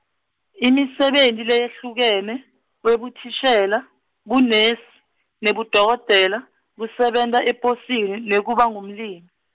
imisebenti leyehlukene, webuthishela, bunesi, nebudokotela, kusebenta eposini nekubangumlimi.